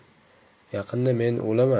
yaqinda men o'laman